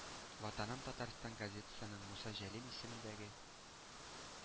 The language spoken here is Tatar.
«ватаным татарстан» газетасының муса җәлил исемендәге